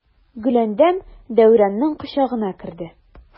Гөләндәм Дәүранның кочагына керде.